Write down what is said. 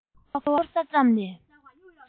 ཁེ བ འཁོར ས ཙམ ལས